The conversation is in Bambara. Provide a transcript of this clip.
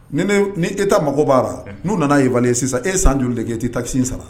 Ne ne u ni Etat mago b'a ra unh n'u nana n'u nana évaluer sisan e ye san joli de kɛ i tɛ taxe sara